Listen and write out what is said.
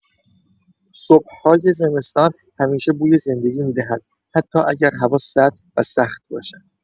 صبح‌های زمستان همیشه بوی زندگی می‌دهند حتی اگر هوا سرد و سخت باشد.